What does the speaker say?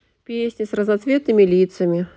песня с разноцветными лицами